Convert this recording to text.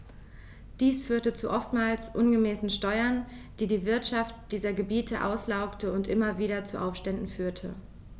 Dies führte zu oftmals unmäßigen Steuern, die die Wirtschaft dieser Gebiete auslaugte und immer wieder zu Aufständen führte.